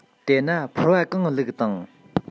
དེ ན ཕོར བ གང བླུགས དང